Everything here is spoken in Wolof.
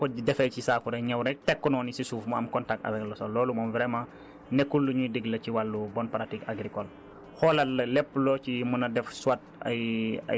denc ba moom surtout nañu moytandiku boo ko defee ci saako rekk ñëw rekk teg ko noonu ci suuf mu am contact avec le sol loolu moom vraiment nekkul lu ñuy digle ci wàllu bonne pratique agricole